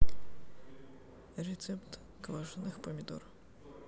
рецепт квашенных помидор